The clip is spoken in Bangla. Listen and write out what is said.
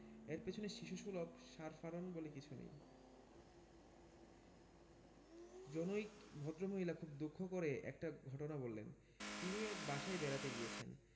এর পেছনে শিশুসুলভ সার ফারন বলে কিছু নেই জনৈক ভদ্রমহিলা খুব দুঃখ করে একটা ঘটনা বললেন তিনি এক বাসায় বেড়াতে গিয়েছেন